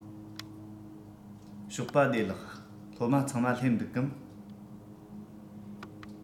ཞོགས པ བདེ ལེགས སློབ མ ཚང མ སླེབས འདུག གམ